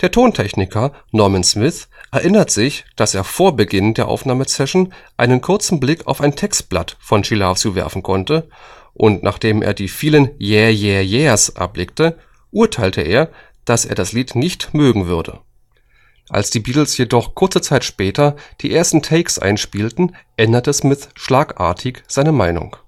Tontechniker Norman Smith erinnert sich, dass er vor Beginn der Aufnahmesession einen kurzen Blick auf ein Textblatt von She Loves You werfen konnte und nachdem er die vielen „ Yeah, yeah, yeahs “erblickte, urteilte er, dass er das Lied nicht mögen werde. Als die Beatles jedoch kurze Zeit später die ersten Takes einspielten, änderte Smith schlagartig seine Meinung